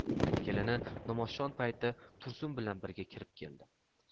kelini namozshom payti tursun bilan birga kirib keldi